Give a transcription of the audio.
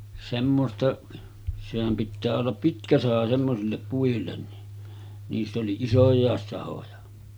semmoista sehän pitää olla pitkä saha semmoisille puille niin niissä oli isojakin sahoja